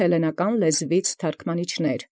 Հելլենական լեզուին։